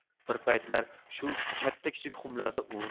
bir paytlar shu katta kichik xumlarda un